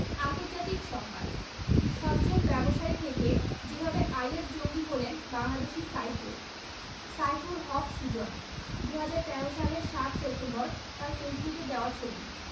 আন্তর্জাতিক সংবাদ সজ্জন ব্যবসায়ী থেকে যেভাবে আইএস জঙ্গি হলেন বাংলাদেশি সাইফুল সাইফুল হক সুজন ২০১৩ সালের ৭ সেপ্টেম্বর তাঁর ফেসবুকে দেওয়া ছবি